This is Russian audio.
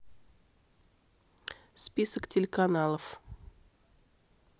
список телеканалов